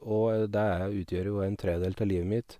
Og det er utgjør jo en tredel ta livet mitt.